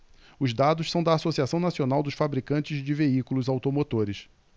os dados são da anfavea associação nacional dos fabricantes de veículos automotores